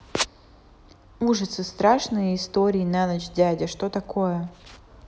ужасы страшные истории на ночь дядя что такое